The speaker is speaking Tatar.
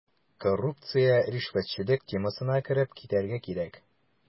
Коррупция, ришвәтчелек темасына кереп китәргә кирәк.